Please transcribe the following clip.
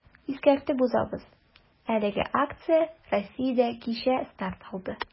Искәртеп узабыз, әлеге акция Россиядә кичә старт алды.